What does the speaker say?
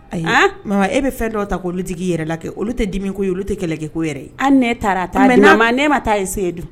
Haan, ayi Maman e bɛ fɛn dɔw ta k'olu l digi i yɛrɛ la kɛ, olu tɛ dimi ko ye , olu tɛ kɛlɛkɛ ko yɛrɛ ye, hali ni ne taara ta mais ne ma t'a essayer dun!